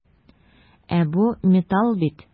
Ә бу металл бит!